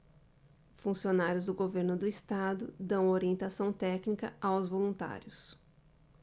funcionários do governo do estado dão orientação técnica aos voluntários